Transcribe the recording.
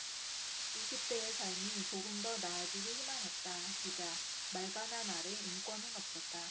이십 대의 삶이 조금 더 나아지길 희망했다 기자 말가난 아래 인권은 없었다